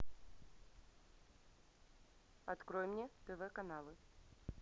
открой мне тв каналы